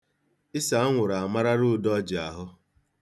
Ise anwụrụ amarala Udooji ahụ.